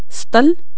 سطل